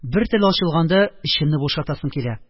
Бер тел ачылганда эчемне бушатасым килә